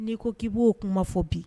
N'i ko k' b'o kuma fɔ bi